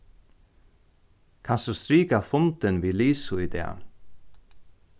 kanst tú strika fundin við lisu í dag